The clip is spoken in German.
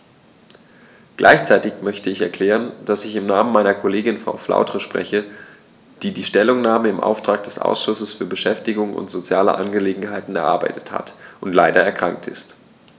Gleichzeitig möchte ich erklären, dass ich im Namen meiner Kollegin Frau Flautre spreche, die die Stellungnahme im Auftrag des Ausschusses für Beschäftigung und soziale Angelegenheiten erarbeitet hat und leider erkrankt ist.